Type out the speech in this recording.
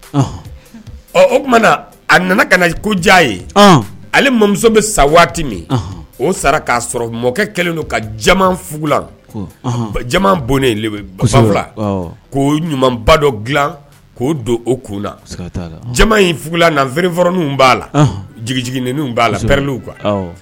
Ɔ o t a nana ka koja ye ale mamuso bɛ sa waati min o k'a sɔrɔ mɔkɛ kɛlen don kaugulan jama bonnenf fila k'o ɲumanba dɔ dila k'o don o k'u la in fugula narinfrinw b'a la jigijiginin b'a lawu kan